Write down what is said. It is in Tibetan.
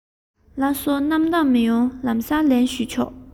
ལགས སོ སྣང དག མི ཡོང ལམ སེང ལན ཞུས ཆོག